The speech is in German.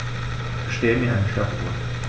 Stell mir eine Stoppuhr.